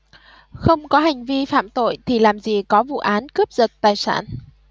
không có hành vi phạm tội thì làm gì có vụ án cướp giật tài sản